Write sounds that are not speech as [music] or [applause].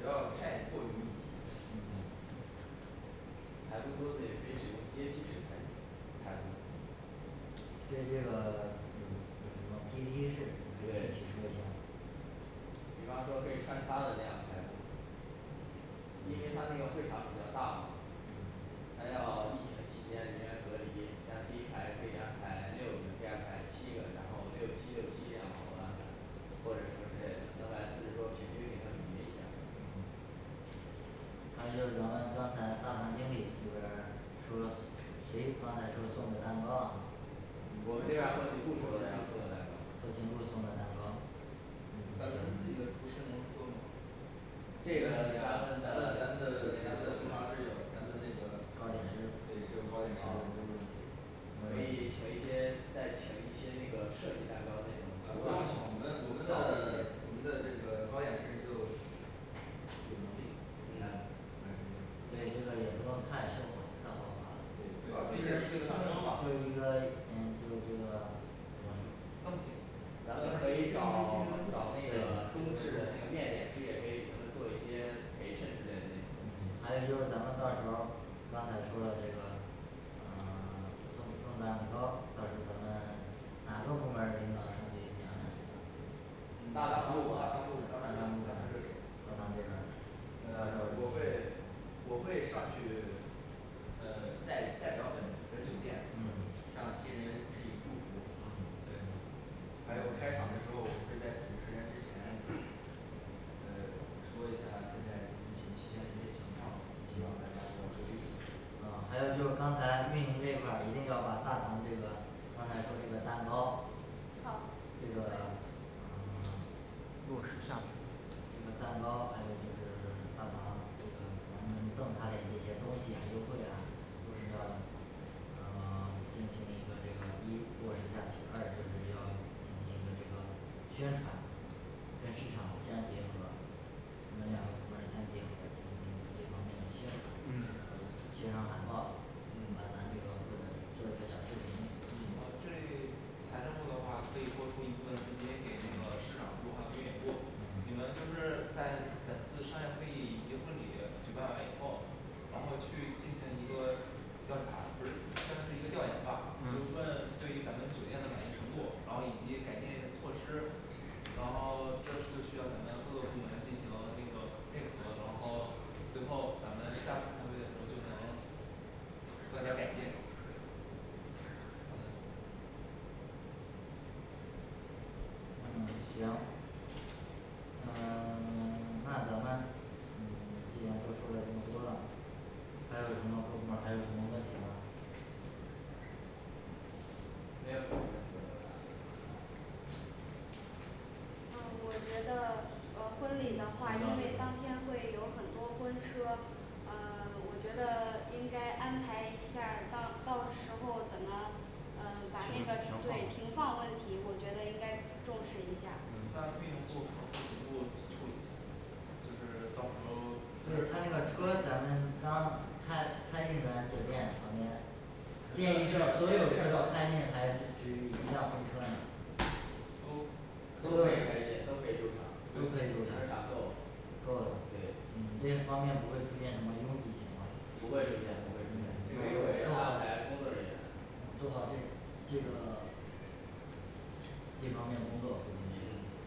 不要太过于密集嗯还不如桌子也可以使用阶梯式餐餐桌儿对这个嗯有什么阶梯式具体对说一下比方说可以穿插的那样排座因为他那个会场比较大嘛嗯还要疫情期间人员隔离，像第一排可以安排六个，第二排七个然后六七六七这样往后安排或者什么之类的，能把四十多平均给他捋一下儿嗯还有就咱们刚才大堂经理这边儿说，谁刚才说送个蛋糕啊嗯我们这边儿后勤部说的要送个蛋糕后勤部送的蛋糕嗯咱们自己的厨师能做这个咱们咱们也让的咱们的厨房是有咱们那个糕点师对师傅糕点师啊这个可以嗯请一些再请一些那个设计蛋糕啊那种不用请我们我们的我们的这个糕点师就有能力来完成一下对这个也不用太奢华太豪华了对一主要就是个象征嘛送一个嗯就是这个赠品咱们可以找 [silence] 找那个对中式的面点师，也可以给他们做一些培训之类的那种嗯还有就是咱们到时候儿刚才说了这个呃 [silence] 送送蛋糕，到时候儿咱们哪个部门儿领导上去讲两句儿嗯大大堂堂部部大吧堂部大堂大堂这里大堂这边儿呃我会我会上去呃 [silence] 代代表本本酒店嗯向新人致以祝福嗯对还有嗯开场的时候会在主持人之前呃 [silence] 说一下儿现在这个疫情期间的一些情况，希望大嗯家要规避啊还有就是刚才运营这一块儿，一定要把大堂这个刚才说这个蛋糕好这个呃 [silence] 落实下来这个蛋糕还有就是大堂这个咱们赠他嘞这些东西啊优惠啊就是你要呃 [silence] 进行一个这个一落实下去，二就是要进行一个这个宣传跟市场相结合你们两个部门儿相结合进行一个这方面的宣传嗯好的宣传海报，把嗯咱这个或者做一个小视频嗯然后这财政部的话可以多出一部分资金给那个嗯市场部，还有运营部。你嗯们就是在本次商业会议以及婚礼举办完以后然后去进行一个调查，不是算是一个调研吧，就是问嗯对于咱们酒店的满意程度，然后以及改进措施然后 [silence] 这就需要咱们各个部门进行那个配合，然后最后咱们下次开会的时候儿就能更加改进好的嗯行嗯 [silence] 那咱们嗯 [silence] 今天都说了这么多了，还有什么各部门儿还有什么问题吗没有什么问题了嗯我觉得呃婚礼行的话政因为当部天会有很多婚车呃 [silence] 我觉得应该安排一下儿，到到时候儿怎么呃 [silence] 把那个停对停停放放问题我觉得应该重视一下儿那运营部和后勤部处理一下儿就是到时候儿就是他那个车咱们刚开开进咱酒店旁边儿建议是所有车儿都开进，还是只一辆婚车呢都都可以开进都可以入场都可以停入车场场够够了对嗯，这些方面不会出现什么拥挤情况不会出现不会出嗯现我们会安排工作人员嗯做好这这个这方面工作